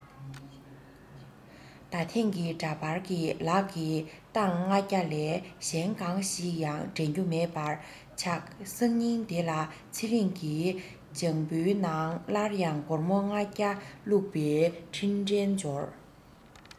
ད ཐེངས ཀྱི འདྲ པར གྱི ལག གི སྟངས ལྔ བརྒྱ ལས གཞན གང ཞིག ཡང དྲན རྒྱུ མེད པར ཆག སང ཉིན དེ ལ ཚེ རིང གི བྱང བུའི ནང སླར ཡང སྒོར མོ ལྔ བརྒྱ བླུག པའི འཕྲིན ཕྲན འབྱོར